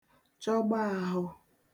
chọgbaàhụ